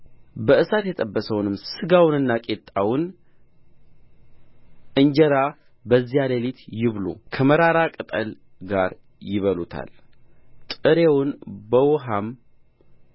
በእሳት የተጠበሰውን ሥጋውንና ቂጣውን እንጀራ በዚያች ሌሊት ይብሉ ከመራራ ቅጠል ጋር ይበሉታል ጥሬውን በውኃም